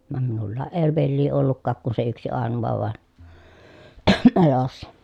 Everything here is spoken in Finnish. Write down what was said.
vaan minulla ei veljiä ollutkaan kuin se yksi ainoa vain elossa